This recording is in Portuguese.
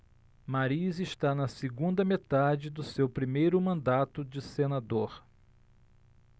mariz está na segunda metade do seu primeiro mandato de senador